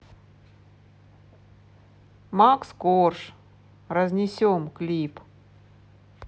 макс корж разнесем клип